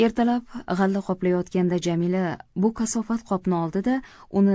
ertalab g'alla qoplayotganda jamila bu kasofat qopni oldi da